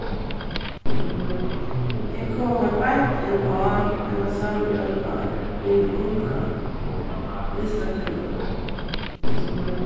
eg komi beint inn á eina samrøðu við unga listakvinnu